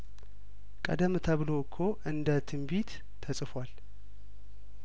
ቀደም ተብሎ እኮ እንደ ትንቢት ተጽፏል